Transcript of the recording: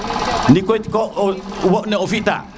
nding koy ne o fi ta